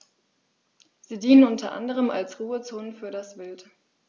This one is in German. Sie dienen unter anderem als Ruhezonen für das Wild.